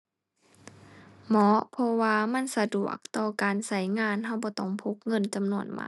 เหมาะ เพราะว่ามันสะดวกต่อการใช้งาน ใช้บ่ต้องพกเงินจำนวนมาก